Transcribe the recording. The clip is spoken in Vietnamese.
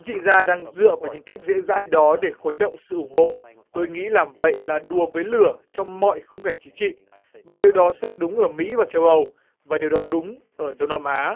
chính trị gia đang dựa vào những cách dễ dãi đó để khuấy động sự ủng hộ tôi nghĩ làm vậy là đùa với lửa trong mọi khung cảnh chính trị và điều đó sẽ đúng ở mỹ và châu âu và điều đó đúng ở đông nam á